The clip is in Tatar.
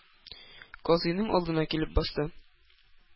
Казыйның алдына килеп басты.